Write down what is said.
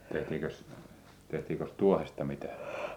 tehtiinkös tehtiinkös tuohesta mitään